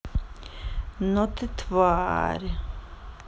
но ты тварь